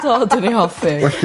Do dwi'n 'i hoff. Well...